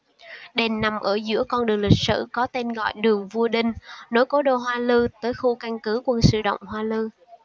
đền nằm ở giữa con đường lịch sử có tên gọi đường vua đinh nối cố đô hoa lư tới khu căn cứ quân sự động hoa lư